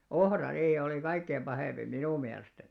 ohrariihi oli kaikkein pahin minun mielestäni